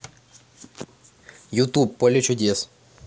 ютуб поле чудес